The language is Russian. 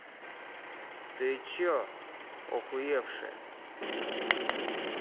ты что охуевше